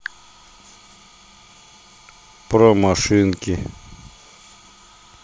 про машинки